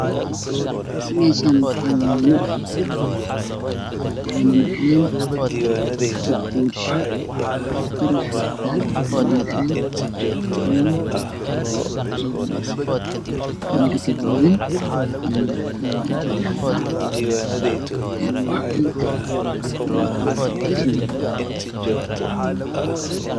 Meeshan waxa yaalo caano macaan xabad doorsho kor waxa kasaaran caano macaan iyo mid guduudan iyo geed cagaaran